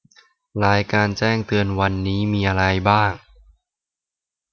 รายการแจ้งเตือนวันนี้มีอะไรบ้าง